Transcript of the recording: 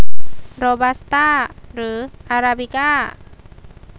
โรบัสต้าหรืออาราบิก้า